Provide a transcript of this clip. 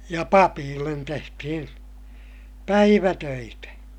ja papeille tehtiin päivätöitä